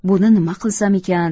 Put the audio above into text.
buni nima qilsam ekan